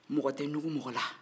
mɔgɔ tɛ ɲugu mɔgɔ la